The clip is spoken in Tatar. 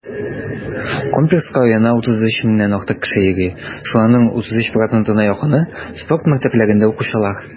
Комплекска аена 33 меңнән артык кеше йөри, шуларның 30 %-на якыны - спорт мәктәпләрендә укучылар.